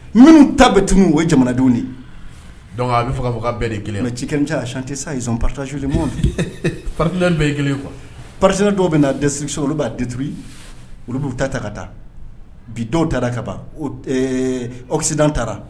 Minnu ta bɛ tun ye jamanadenw dɔnku a bɛ fɔ ka fɔ ka bɛɛ de kelen ci kelenc ate sa pasutiina bɛ kelen kuwa patiteina dɔw bɛ na dɛsɛsirisi olu b'a dattori olu b'u ta ta ka taa bi dɔw taara ka ban osi taara